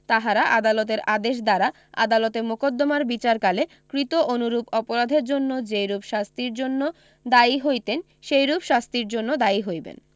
তাহারা আদালতের আদেশ দ্বারা আদালতে মোকদ্দমার বিচারকালে কৃত অনুরূপ অপরাধের জন্য যেইরূপ শাস্তির জন্য দায়ী হইতেন সেইরূপ শাস্তির জন্য দায়ী হইবেন